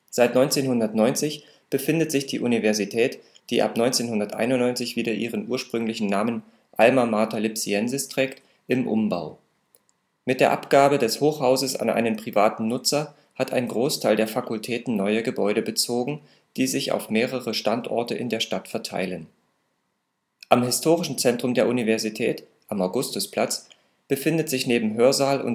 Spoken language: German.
Seit 1990 befindet sich die Universität, die ab 1991 wieder ihren ursprünglichen Namen Alma mater lipsiensis trägt, im Umbau. Mit der Abgabe des Hochhauses an einen privaten Nutzer hat ein Großteil der Fakultäten neue Gebäude bezogen, die sich auf mehrere Standorte in der Stadt verteilen. Am historischen Zentrum der Universität (am Augustusplatz) befindet sich neben Hörsaal